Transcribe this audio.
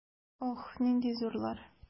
Ох, нинди зурлар!